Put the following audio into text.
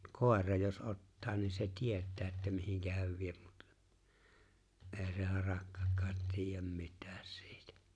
mutta koira jos ottaa niin se tietää että mihin hän vie mutta ei se harakkakaan tiedä mitään siitä